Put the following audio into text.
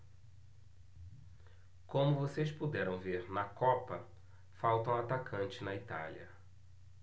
como vocês puderam ver na copa faltam atacantes na itália